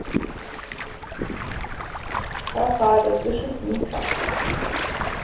хаха да ты шутница